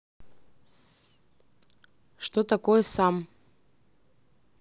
что такое sum